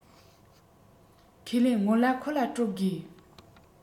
ཁས ལེན སྔོན ལ ཁོ ལ སྤྲོད དགོས